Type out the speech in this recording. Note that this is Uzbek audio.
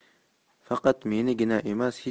faqat menigina emas